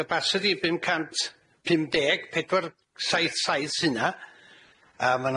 capasiti bum cant pum deg pedwar saith saith sy 'na a ma'